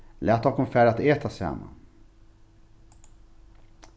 lat okkum fara at eta saman